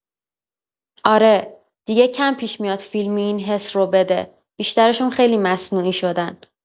آره، دیگه کم پیش میاد فیلمی این حس رو بده، بیشترشون خیلی مصنوعی شدن.